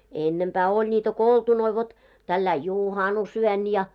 ennempää oli niitä koltunoita vot tällä lailla juhannusyönä ja